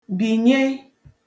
bìnye